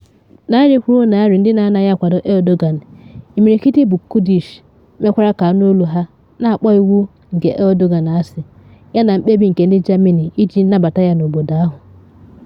Narị kwụrụ narị ndị na anaghị akwado Erdogan - imirikiti bụ Kurdish - mekwara ka anụ olu ha, na akpọ iwu nke Erdogan asị yana mkpebi nke ndị Germany iji nabata ya n’obodo ahụ.